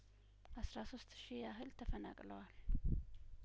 አስራ ሶስት ሺ ያህል ተፈናቅለዋል